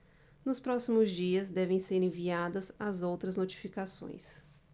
nos próximos dias devem ser enviadas as outras notificações